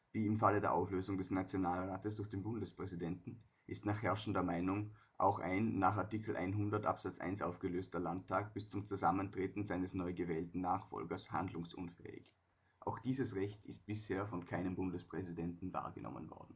im Falle der Auflösung des Nationalrates durch den Bundespräsidenten ist nach herrschender Meinung auch ein Nach Art 100 Abs 1 aufgelöster Landtag bis zum Zusammentreten seines neu gewählten Nachfolgers handlungsunfähig. Auch dieses Recht ist bisher von keinem Bundespräsidenten wahrgenommen